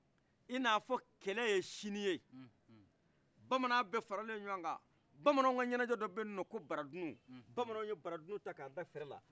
ina fɔ kɛlɛye siniyebamanan bɛ farale ɲɔgɔnka bamananw ka ɲɛnɛdɔ beyi ko bara dunu bamananw ye bara dunu ta ka da fɛrɛla